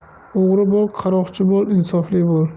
o'g'ri bo'l qaroqchi bo'l insofli bo'l